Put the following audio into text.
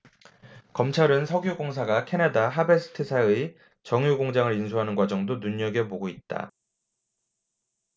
검찰은 석유공사가 캐나다 하베스트사의 정유공장을 인수하는 과정도 눈여겨보고 있다